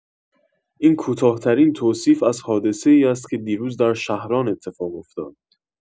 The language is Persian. این کوتاه‌ترین توصیف از حادثه‌ای است که دیروز در شهران اتفاق افتاد.